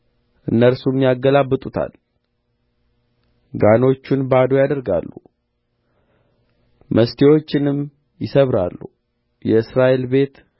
እነርሱም ያገላብጡታል ጋኖቹንም ባዶ ያደርጋሉ መስቴዎቹንም ይሰብራሉ የእስራኤልም ቤት